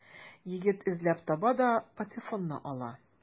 Егет эзләп таба да патефонны ала.